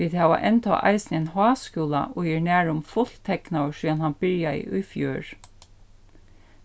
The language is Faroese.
vit hava enntá eisini ein háskúla ið er nærum fult teknaður síðani hann byrjaði í fjør